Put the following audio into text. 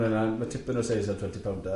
Ma' tipyn o seis ar twenty pounder.